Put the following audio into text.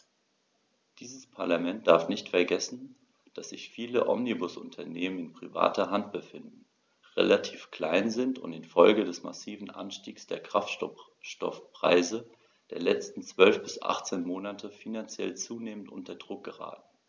Dieses Parlament darf nicht vergessen, dass sich viele Omnibusunternehmen in privater Hand befinden, relativ klein sind und in Folge des massiven Anstiegs der Kraftstoffpreise der letzten 12 bis 18 Monate finanziell zunehmend unter Druck geraten.